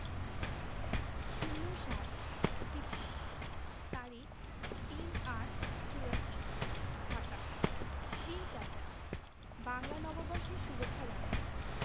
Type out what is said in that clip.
০৭ চিঠি তারিখ ৩-৮-৮৪ ঢাকা ক্লিন্ট চাচা বাংলা নববর্ষের সুভেচ্ছা জানাবেন